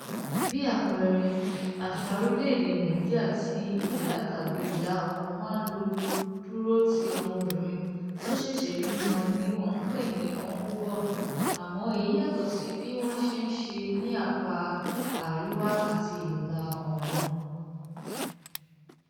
Bí àpẹẹrẹ, àṣàa orilẹ̀ èdè Nàìríà tí ìyá tàbí ìya ọkọ máà lọ dúró ti ọmọbìnrin tó ṣẹ̀ṣẹ̀ bímọ ni wọ́n ń pè ní omugwo, àmọ́ èyí yàtọ̀ sí bí wọ́n ṣe ń ṣe ní apá àríwá àti ìlà-oòrùn.